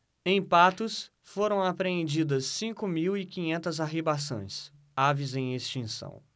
em patos foram apreendidas cinco mil e quinhentas arribaçãs aves em extinção